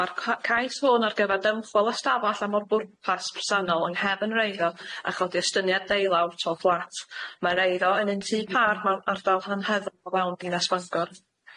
Ma'r ca- cais hwn ar gyfer dymchwel ystafall amlbwrpas bresennol yng nghefn'r eiddo a chodi estyniad deulawr to fflat, mae'n eiddo yn un tŷ pâr, ma'r ardal rhan hyfryd o fewn dinas Bangor.